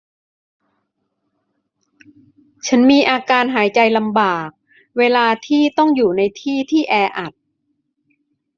ฉันมีอาการหายใจลำบากเวลาที่ต้องอยู่ในที่ที่แออัด